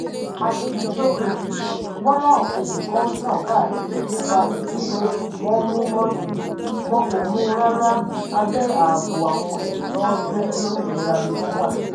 @Egyptocracy: Fọ́nràn òfegè kan ń tàn káàkiri nípa ẹ̀sùn pé wọ́n "#mú Morsi", wọn kò mú u rárá, abẹ́ ààbò àwọn ẹ̀ṣọ́ ẹgbẹ́ olómìnira ni ó wà.